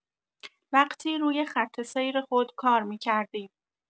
وقتی روی خط سیر خود کار می‌کردید.